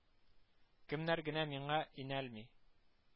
Кемнәр генә миңа инәлми